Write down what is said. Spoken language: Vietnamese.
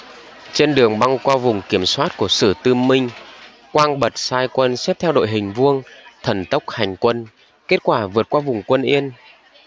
trên đường băng qua vùng kiểm soát của sử tư minh quang bật sai quân xếp theo đội hình vuông thần tốc hành quân kết quả vượt qua vùng quân yên